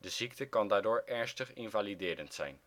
ziekte kan daardoor ernstig invaliderend zijn